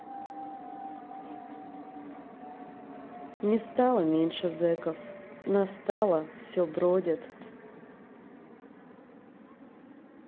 не стало меньше зеков настало все бродят